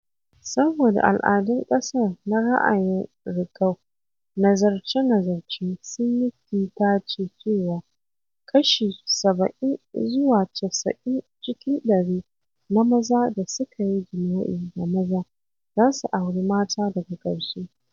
Saboda al'adun ƙasar na ra'ayin rikau, nazarce-nazarce sun yi kintace cewa kashi 70 zuwa 90 cikin ɗari na maza da suka yi jima'i da maza za su auri mata daga ƙarshe.